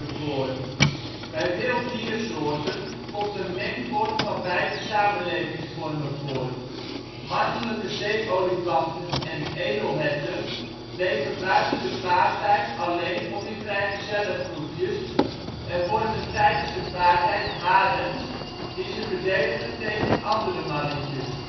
voor. Bij veel diersoorten komt een mengvorm van beide samenlevingsvormen voor. Mannelijke zeeolifanten en edelherten leven buiten de paartijd alleen of in vrijgezellengroepjes, en vormen tijdens de paartijd harems die ze verdedigen tegen andere mannetjes